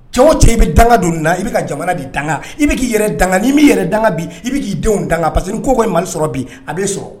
Cɛw cɛ i bɛ don na i bɛ jamana di dan i bɛ k'i yɛrɛ dangan ni'i'i yɛrɛgan bi i bɛ k'i denw danga pa parce que kogo mali sɔrɔ bi a bɛ' sɔrɔ